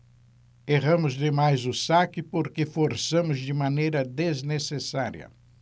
erramos demais o saque porque forçamos de maneira desnecessária